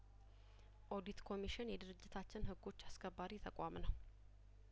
ኦዲት ኮሚሽን የድርጅታችን ህጐች አስከባሪ ተቋም ነው